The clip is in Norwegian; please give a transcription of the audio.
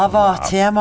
wow.